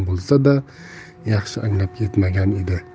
bo'lsa da yaxshi anglab yetmagan edi